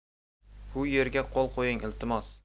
bu yerga qo'l qo'ying iltimos